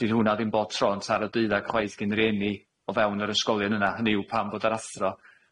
'di hwnna ddim bob tro'n taro deuddag chwaith gin rieni o fewn yr ysgolion yna hynny yw pam fod yr athro